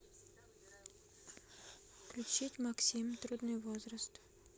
включить максим трудный возраст